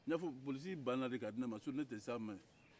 n y'a fɔ polosi banna k'a di ne sinɔ ne se a ma